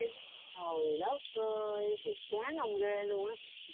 trời đất ơi thiệt chán ông ghê luôn đó